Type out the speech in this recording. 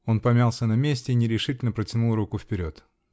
Он помялся на месте -- и нерешительно протянул руку вперед.